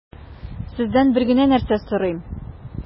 Сездән бер генә нәрсә сорыйм: